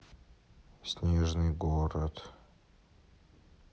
снежный город